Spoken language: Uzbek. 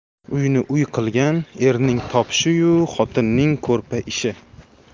uyni uy qilgan erning topishi yu xotinning ko'rpa ishi